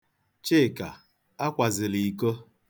Chika, akwazịla iko.